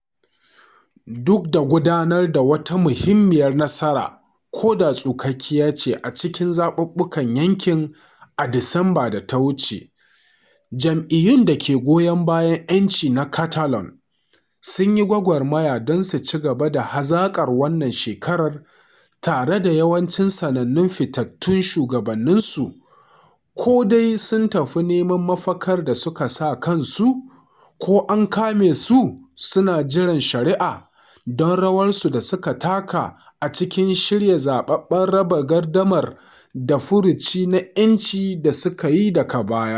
Duk da gudanar da wata muhimmiyar nasara ko da tsukakkiya ce a cikin zaɓuɓɓukan yankin a Disamba da ta wuce, jam’iyyun da ke goyon bayan ‘yanci na Catalan sun yi gwagwarmaya don su ci gaba da hazaƙar wannan shekarar tare da yawancin sanannun fitattun shugabanninsu ko dai sun tafi neman mafakar da suka sa kansu ko an kame su suna jiran shari’a don rawarsu da suka taka a cikin shirya zaɓen raba gardamar da furuci na ‘yanci da suka yi daga baya.